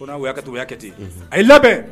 Ko' y'a to uya kɛ ten a y ye labɛn